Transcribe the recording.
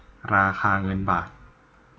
ราคาเงินบาท